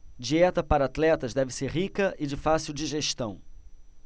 dieta para atletas deve ser rica e de fácil digestão